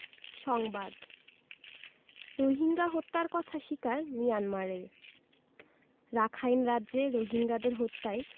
সংবাদ রোহিঙ্গা হত্যার কথা স্বীকার মিয়ানমারের রাখাইন রাজ্যে রোহিঙ্গাদের হত্যায়